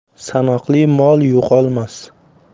sanoqli mol yo'qolmas